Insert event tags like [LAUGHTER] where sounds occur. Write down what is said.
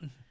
[HESITATION] [HESITATION]